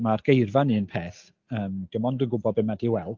Ma'r geirfa'n un peth yym 'di o mond yn gwybod be mae o 'di weld.